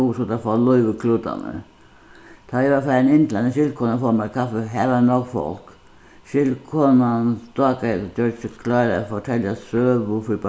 dugir so er tað at fáa lív í klútarnar tá eg var farin inn til eina skyldkonu at fáa mær kaffi har var nógv fólk skyldkonan stákaðist og gjørdi seg klára at fortelja søgu fyri